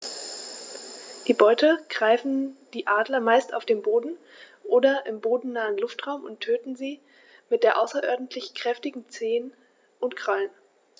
Die Beute greifen die Adler meist auf dem Boden oder im bodennahen Luftraum und töten sie mit den außerordentlich kräftigen Zehen und Krallen.